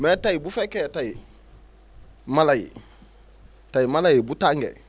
mais tey bu fekkee tey mala yi tey mala yi bu tàngee